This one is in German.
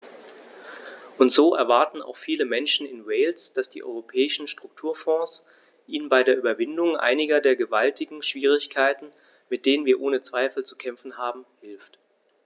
Und so erwarten auch viele Menschen in Wales, dass die Europäischen Strukturfonds ihnen bei der Überwindung einiger der gewaltigen Schwierigkeiten, mit denen wir ohne Zweifel zu kämpfen haben, hilft.